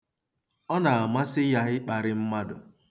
Ọ na-amasị ya ịkparị mmadụ.